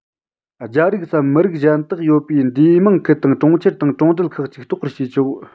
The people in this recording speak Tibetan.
རྒྱ རིགས སམ མི རིགས གཞན དག ཡོད པའི འདུས དམངས ཁུལ དང གྲོང ཁྱེར དང གྲོང རྡལ ཁག གཅིག གཏོགས པར བྱས ཆོག